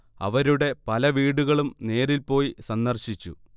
അവരുടെ പല വീടുകളും നേരിൽ പോയി സന്ദർശിച്ചു